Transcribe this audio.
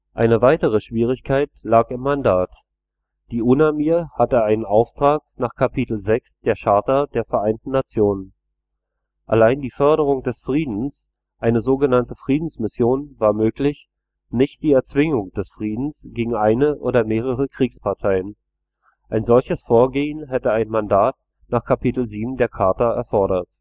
Eine weitere Schwierigkeit lag im Mandat. Die UNAMIR hatte einen Auftrag nach Kapitel VI der Charta der Vereinten Nationen. Allein die Förderung des Friedens, eine so genannte Friedensmission, war möglich, nicht die Erzwingung des Friedens gegen eine oder mehrere Kriegsparteien – ein solches Vorgehen hätte ein Mandat nach Kapitel VII der Charta erfordert